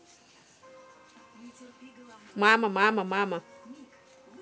мама мама мама